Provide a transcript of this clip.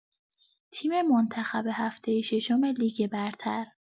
تیم منتخب هفته ششم لیگ برتر